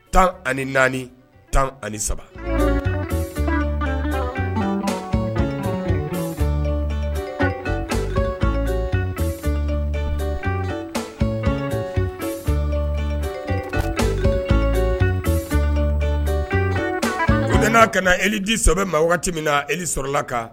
Tan ani naani tan ani saba ko tɛna n'a ka na eliji sɛbɛn ma waati wagati min na e sɔrɔlala kan